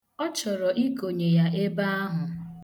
Ọ chọrọ ikonye ya ebe ahụ.